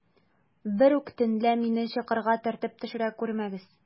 Берүк төнлә мине чокырга төртеп төшерә күрмәгез.